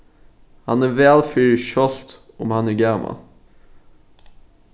hann er væl fyri sjálvt um hann er gamal